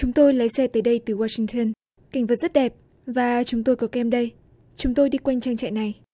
chúng tôi lái xe tới đây từ oa sinh tơn cảnh vật rất đẹp và chúng tôi có kem đây chúng tôi đi quanh trang trại này